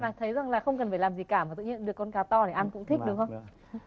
và thấy rằng là không cần phải làm gì cả mà tự nhiên được con cá to để ăn cũng thích đúng không